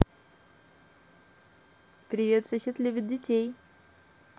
привет сосед любит детей